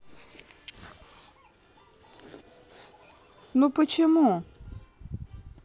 ну почему